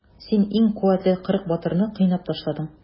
Син иң куәтле кырык батырны кыйнап ташладың.